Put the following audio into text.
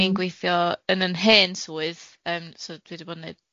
o ni'n gweithio yn yn hen swydd yym so dwi di bod